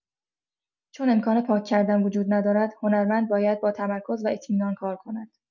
چون امکان پاک‌کردن وجود ندارد، هنرمند باید با تمرکز و اطمینان کار کند.